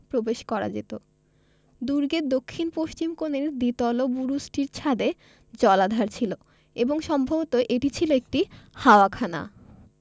প্রবেশ করা যেত দুর্গের দক্ষিণপশ্চিম কোণের দ্বিতল বুরুজটির ছাদে জলাধার ছিল এবং সম্ভবত এটি ছিল একটি হাওয়াখানা